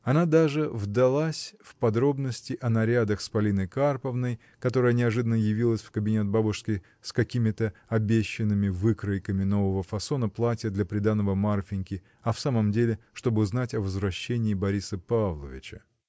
Она даже вдалась в подробности о нарядах с Полиной Карповной, которая неожиданно явилась в кабинет бабушки с какими-то обещанными выкройками нового фасона платья для приданого Марфиньки, а в самом деле чтоб узнать о возвращении Бориса Павловича.